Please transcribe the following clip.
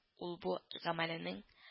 Ул бу гамәленең